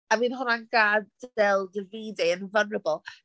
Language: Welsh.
A bydd hwnna'n gadael Davide'n vunerable.